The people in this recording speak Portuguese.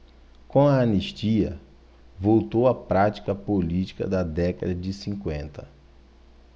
com a anistia voltou a prática política da década de cinquenta